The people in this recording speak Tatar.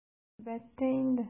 Әлбәттә инде!